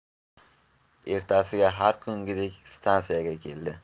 ertasiga har kungidek stansiyaga keldi